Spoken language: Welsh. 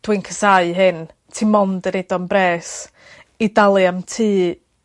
dwi'n casáu hyn ti mond yn neud o am bres i dalu am tŷ